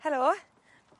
Helo.